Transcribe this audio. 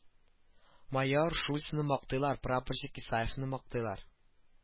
Майор шульцны мактыйлар прапорщик исаевны мактыйлар